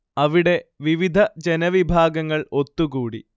അവിടെ വിവിധ ജനവിഭാഗങ്ങൾ ഒത്തുകൂടി